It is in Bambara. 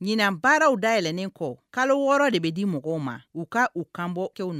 Ɲinan baararaww dayɛlɛnnen kɔ kalo wɔɔrɔ de bɛ di mɔgɔw ma u k ka uu kanbɔ kɛw na